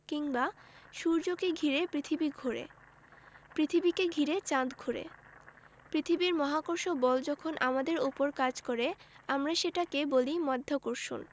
কিংবা সূর্যকে ঘিরে পৃথিবী ঘোরে পৃথিবীকে ঘিরে চাঁদ ঘোরে পৃথিবীর মহাকর্ষ বল যখন আমাদের ওপর কাজ করে আমরা সেটাকে বলি মাধ্যাকর্ষণ